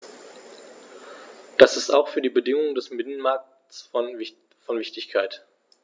Das ist auch für die Bedingungen des Binnenmarktes von Wichtigkeit.